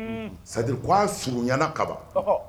Un, c'est à dire ko a surunyara ka ban